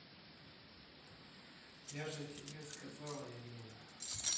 я же тебе сказала ирина